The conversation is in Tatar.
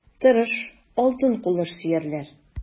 Тырыш, алтын куллы эшсөярләр.